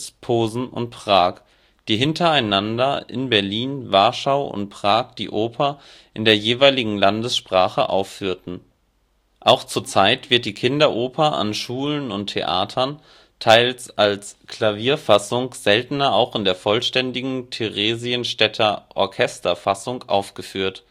Posen und Prag, die hintereinander in Berlin, Warschau und Prag die Oper in der jeweiligen Landessprache aufführten. Auch zur Zeit wird die Kinderoper an Schulen und Theatern - teils als Klavierfassung, seltener auch in der vollständigen Theresienstädter Orchesterfassung - aufgeführt